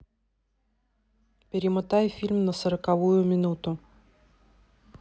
перемотай фильм на сороковую минуту